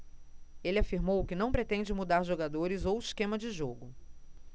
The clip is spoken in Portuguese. ele afirmou que não pretende mudar jogadores ou esquema de jogo